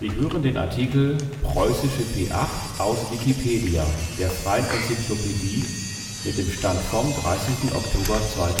hören den Artikel Preußische P 8, aus Wikipedia, der freien Enzyklopädie. Mit dem Stand vom Der